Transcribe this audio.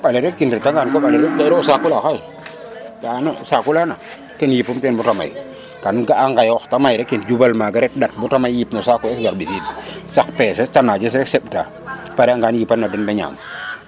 koɓa le rek im reta nga koɓale ge iro o saaku la xaay ga ano o saaku lana ten yipum teen bata may kan ga a ŋayoox te may rek in jubal maga rek ɗat bata may yip no saaku es gar mbisid sak peses te naje rek im seɓ ta pare ange im yipan na den de ñaam